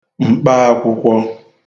m̀kpaākwụ̄kwọ̄